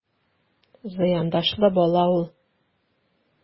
Зыяндашлы бала ул...